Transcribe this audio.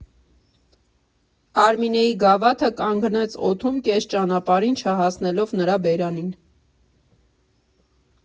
Արմինեի գավաթը կանգնեց օդում կես ճանապարհին՝ չհասնելով նրա բերանին։